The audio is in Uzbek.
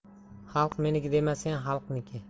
xalq meniki dema sen xalqniki